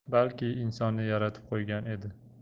balki insonni yaratib qo'ygan edi